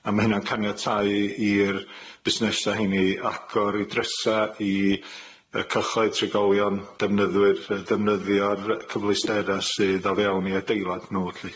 A ma' hynna'n caniatáu i- i'r busnesa' 'heini agor 'u drysa i y cyhoedd, trigolion, defnyddwyr, y- defnyddio'r cyfleustera sydd o fewn 'u adeilad nw lly.